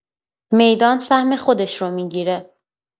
میدان سهم خودش رو می‌گیره.